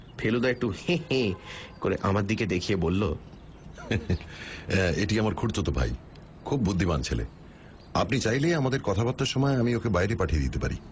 ফেলুদা একটু হেঁ হেঁ করে আমার দিকে দেখিয়ে বলল এটি আমার খুড়তুতো ভাই খুব বুদ্ধিমান ছেলে আপনি চাইলে আমাদের কথাবার্তার সময় আমি ওকে বাইরে পাঠিয়ে দিতে পারি